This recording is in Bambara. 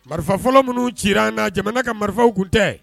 Marifa fɔlɔ minnu ci na jamana ka marifaw tun tɛ